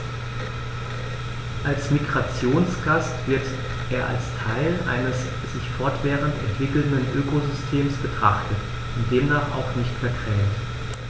Als Migrationsgast wird er als Teil eines sich fortwährend entwickelnden Ökosystems betrachtet und demnach auch nicht vergrämt.